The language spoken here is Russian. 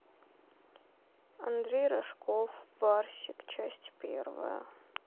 андрей рожков барсик часть первая